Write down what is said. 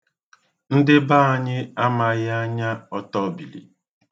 Ndị be anyị amaghi anya ọtọbili.